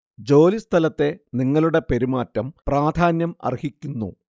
ജോലി സ്ഥലത്തെ നിങ്ങളുടെ പെരുമാറ്റം പ്രാധാന്യം അര്‍ഹിക്കുന്നു